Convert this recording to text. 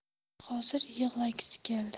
hozir yig'lagisi keldi